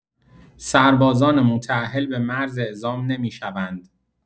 سربازان متاهل به مرز اعزام نمی‌شوند